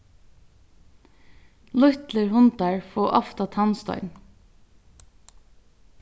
lítlir hundar fáa ofta tannstein